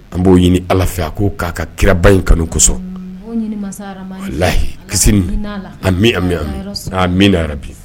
An b'o ɲini ala fɛ a ko k'a ka kiraba in kanu kosɔn lahiyi kisi an mi minra bi